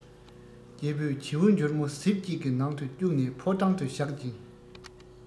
རྒྱལ པོས བྱིའུ འཇོལ མོ གཟེབ ཅིག གི ནང དུ བཅུག ནས ཕོ བྲང དུ བཞག ཅིང